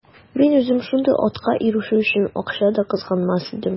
Мин үзем шундый атка ирешү өчен акча да кызганмас идем.